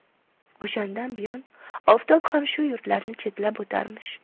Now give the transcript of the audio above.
o'shandan buyon oftob ham shu yurtlarni chetlab o'tarmish